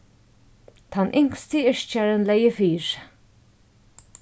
tann yngsti yrkjarin legði fyri